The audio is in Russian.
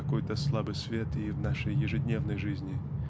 какой-то слабый свет и в нашей ежедневной жизни